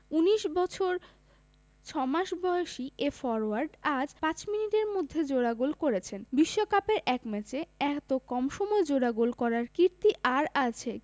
১৯ বছর ৬ মাস বয়সী এই ফরোয়ার্ড আজ ৫ মিনিটের মধ্যে জোড়া গোল করেছেন বিশ্বকাপের এক ম্যাচে এত কম বয়সে জোড়া গোল করার কীর্তি আর আছে